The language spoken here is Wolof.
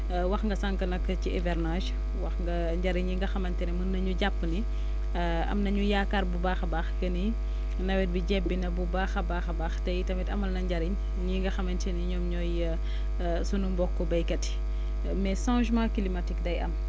wax nga sànq nag ci hivernage wax nga njëriñ yi nga xamante ni mun nañu jàpp ni am nañu yaakaar bu baax a baax que ni nawet bi jebbi na bu baax a baax a baax te itamit amal na njërién ñii nga xamante ni ñoom ñooy sunu mbokk béykat yi mais changement climatique day am